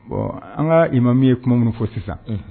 Bon an ka ilima min ye kuma minnu fɔ sisan